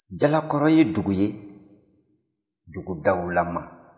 jalakɔro ye dugu ye dugu dawulama